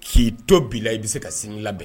K'i to b' la i bɛ se ka sini labɛn